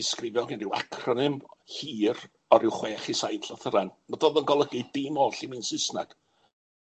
disgrifio gan ryw acronym hir o ryw chwech i saith lythyran, nas o'dd yn golygu dim oll i mi yn Sysnag.